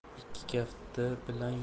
ikki kafti bilan